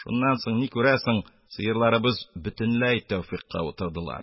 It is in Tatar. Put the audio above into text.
Шуннан сон, ни күрәсең, сыерларыбыз бөтенләй тәүфыйкка утырдылар.